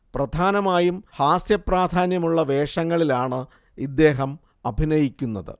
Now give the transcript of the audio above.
പ്രധാനമായും ഹാസ്യ പ്രാധാന്യമുള്ള വേഷങ്ങളിലാണ് ഇദ്ദേഹം അഭിനയിക്കുന്നത്